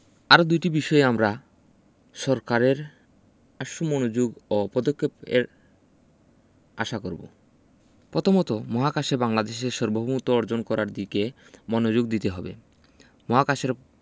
আরও দুটি বিষয়ে আমরা সরকারের আশু মনোযুগ অ পদক্ষেপ এর আশা করব পথমত মহাকাশে বাংলাদেশের সর্বভৌমত্ব অর্জন করার দিকে মনোযুগ দিতে হবে মহাকাশের